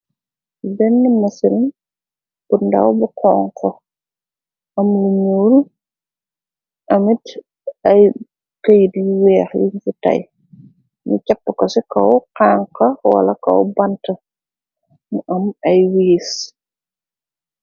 Benn mësiln bu ndaw bu xonxo. am lu ñuur ,amit ay xëyit yi weex .yi fu tay nu chapu ko ci kaw xanka wala kaw bant mu am ay wiis.